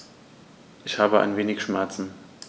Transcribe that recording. Ich habe ein wenig Schmerzen.